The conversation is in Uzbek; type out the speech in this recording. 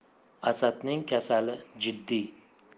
asadning kasali jiddiy